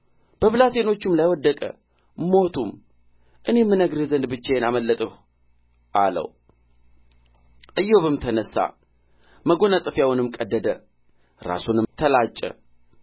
በብላቴኖቹም ላይ ወደቀ ሞቱም እኔም እነግርህ ዘንድ ብቻዬን አመለጥሁ አለው ኢዮብም ተነሣ መጐናጸፊያውንም ቀደደ ራሱንም ተላጨ